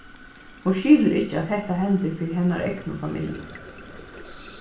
hon skilir ikki at hetta hendir fyri hennara egnu familju